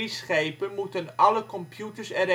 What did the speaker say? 3-schepen moeten alle computers en